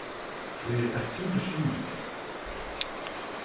eg eri eitt sindur svimbul